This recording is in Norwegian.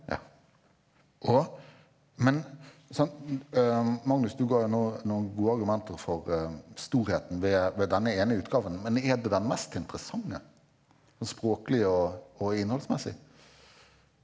ja og men sant Magnus du ga jo nå noen gode argumenter for storheten ved ved denne ene utgaven men er den mest interessante, språklig og og innholdsmessig?